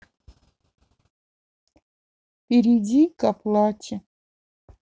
перейди к оплате